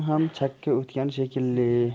ham chakka o'tgan shekilli